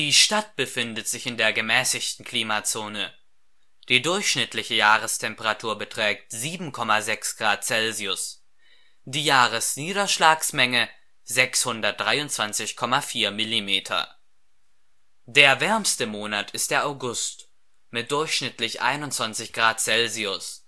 Stadt befindet sich in der gemäßigten Klimazone. Die durchschnittliche Jahrestemperatur beträgt 7,6 Grad Celsius, die Jahresniederschlagsmenge 623,4 Millimeter. Der wärmste Monat ist der August mit durchschnittlich 21 Grad Celsius